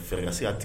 Fɛka seya tigɛ